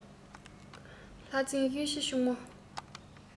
ལྷ རྫིང གཡུ ཡི ཕྱུག མོ